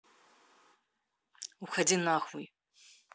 уходи нахуй